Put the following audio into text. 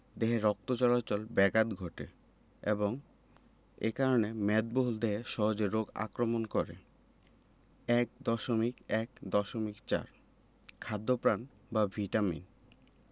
দেহে রক্ত চলাচলে ব্যাঘাত ঘটে এবং এ কারণে মেদবহুল দেহে সহজে রোগ আক্রমণ করে ১.১.৪ খাদ্যপ্রাণ বা ভিটামিন